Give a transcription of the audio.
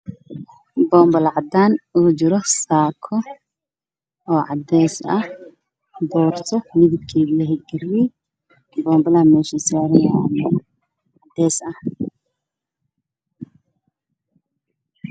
Waa saaka wadato boorsadeed